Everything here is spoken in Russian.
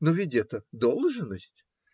но ведь это - должность!